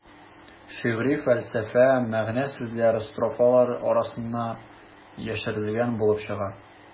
Шигъри фәлсәфә, мәгънә-сүзләр строфалар арасына яшерелгән булып чыга.